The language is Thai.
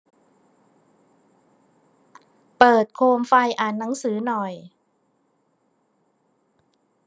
เปิดโคมไฟอ่านหนังสือหน่อย